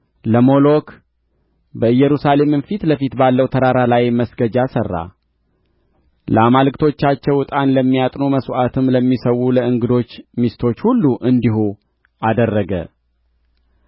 ለሞሎክ በኢየሩሳሌም ፊት ለፊት ባለው ተራራ ላይ መስገጃ ሠራ ለአማልክቶቻቸው ዕጣን ለሚያጥኑ መሥዋዕትም ለሚሠዉ ለእንግዶች ሚስቶቹ ሁሉ እንዲሁ አደረገ